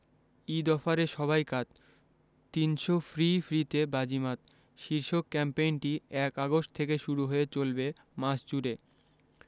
ঈদ অফারে সবাই কাত ৩০০ ফ্রি ফ্রিজে বাজিমাত শীর্ষক ক্যাম্পেইনটি ১ আগস্ট থেকে শুরু হয়ে চলবে মাস জুড়ে